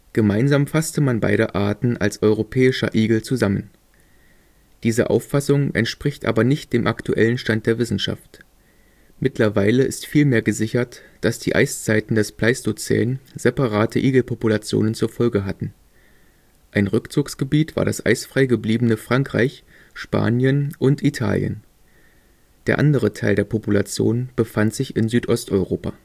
Gemeinsam fasste man beide Arten als „ Europäischer Igel “zusammen. Diese Auffassung entspricht aber nicht dem aktuellen Stand der Wissenschaft. Mittlerweile ist vielmehr gesichert, dass die Eiszeiten des Pleistozän separate Igelpopulationen zur Folge hatten. Ein Rückzugsgebiet war das eisfrei gebliebene Frankreich, Spanien und Italien. Der andere Teil der Population befand sich in Südosteuropa